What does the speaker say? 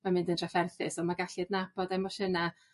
ma'n mynd yn drafferthus on' ma' gallu adnabod emosiyna'